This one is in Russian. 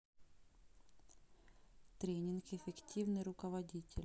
тренинг эффективный руководитель